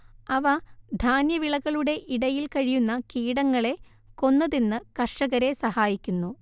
അവ ധാന്യവിളകളുടെ ഇടയിൽ കഴിയുന്ന കീടങ്ങളെ കൊന്ന് തിന്ന് കർഷകരെ സഹായിക്കുന്നു